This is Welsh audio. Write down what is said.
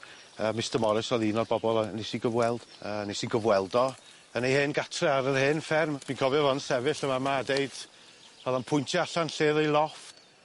yy Mistar Morris o'dd un o'r bobol yy nes i gyfweld yy nes i gyfweld o yn ei hen gartre ar yr hen fferm fi'n cofio fo'n sefyll yn fa' 'ma a deud o'dd o'n pwyntio allan lle o'dd ei loff'.